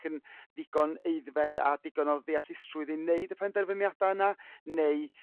yn ddigon aeddfed a digon o ddeallusrwydd i wneud y penderfyniadau yna neu